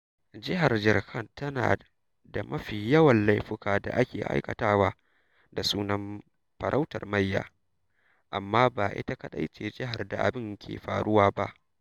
Jihar Jharkhand tana da mafi yawan laifuka da ake aikatawa da sunan farautar mayya, amma fa ba ita kaɗai ce jihar da abin ke faruwa ba.